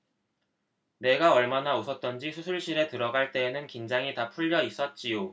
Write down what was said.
내가 얼마나 웃었던지 수술실에 들어갈 때에는 긴장이 다 풀려 있었지요